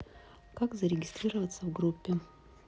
как зарегистрироваться в группе